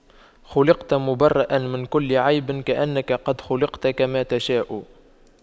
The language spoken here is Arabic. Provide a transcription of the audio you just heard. خلقت مُبَرَّأً من كل عيب كأنك قد خُلقْتَ كما تشاء